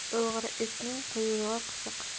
o'g'ri itning quyrug'i qisiq